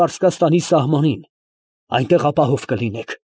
Պարսկաստանի սահմանին. այնտեղ ապահով կլինեք։